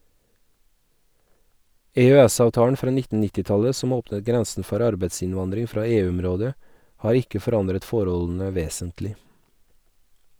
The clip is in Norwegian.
EØS-avtalen fra 1990-tallet som åpnet grensen for arbeidsinnvandring fra EU-området, har ikke forandret forholdene vesentlig.